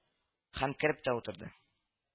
Һәм кереп тә утырды